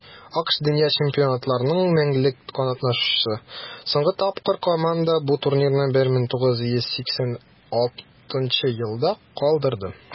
АКШ - дөнья чемпионатларының мәңгелек катнашучысы; соңгы тапкыр команда бу турнирны 1986 елда калдырды.